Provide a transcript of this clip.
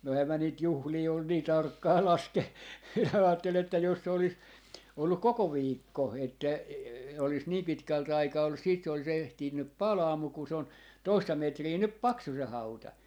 no enhän minä niitä juhlia ole niin tarkkaan - ajattelin että jos se olisi ollut koko viikko että - olisi niin pitkälti aikaa ollut sitten se olisi ehtinyt palaa mutta kun se on toista metriä nyt paksu se hauta